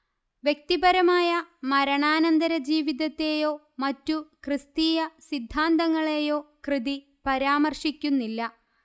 വ്യക്തിപരമായ മരണാനന്തരജീവിതത്തേയോ മറ്റു ക്രിസ്തീയ സിദ്ധാന്തങ്ങളേയോ കൃതി പരാമർശിക്കുന്നില്ല